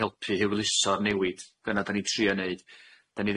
helpu hwyluso'r newid dyna 'dan ni'n trio neud 'dan ni